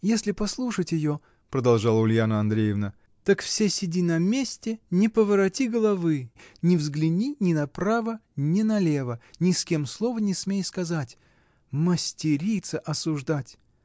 — Если послушать ее, — продолжала Ульяна Андреевна, — так всё сиди на месте, не повороти головы, не взгляни ни направо, ни налево, ни с кем слова не смей сказать: мастерица осуждать!